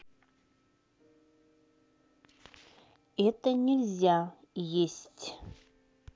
это нельзя есть